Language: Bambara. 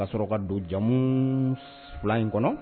I y'a sɔrɔ ka don jamu filan in kɔnɔ